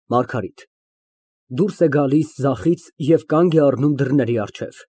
ՄԱՐԳԱՐԻՏ ֊ (Դուրս է գալիս ձախից և կանգ է առնում դռների առջև։